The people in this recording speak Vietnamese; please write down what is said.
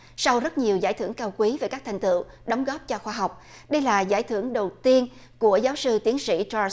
sau rất nhiều giải thưởng cao quý và các thành tựu đóng góp cho khoa học đây là giải thưởng đầu tiên của giáo sư tiến sĩ thoi